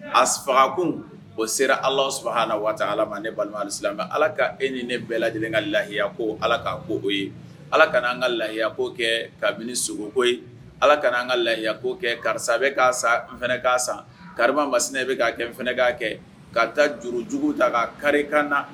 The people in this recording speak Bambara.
A faga kun o sera alafaha waa ala ne balima mɛ ala ka e ni ne bɛɛ lajɛlen ka layiya ko ala ka ko o ye ala ka an ka layiya koo kɛ kabini suguko ye ala ka anan ka layiya ko kɛ karisa ka n k' san kari masina bɛ k' kɛ n k' kɛ ka ta jurujugu la ka karik na